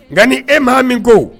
Nka ni e maa min ko